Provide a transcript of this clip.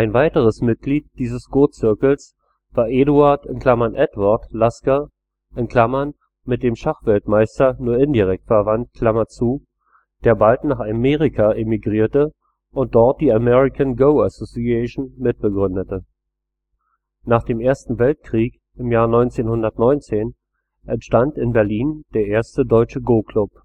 weiteres Mitglied dieses Go-Zirkels war Eduard (Edward) Lasker (mit dem Schachweltmeister nur indirekt verwandt), der bald nach Amerika emigrierte und dort die American Go Association mitbegründete. Nach dem Ersten Weltkrieg, im Jahr 1919, entstand in Berlin der erste deutsche Go-Klub